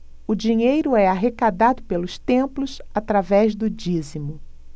o dinheiro é arrecadado pelos templos através do dízimo